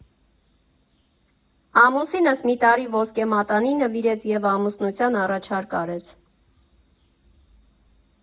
Ամուսինս մի տարի ոսկե մատանի նվիրեց և ամուսնության առաջարկ արեց։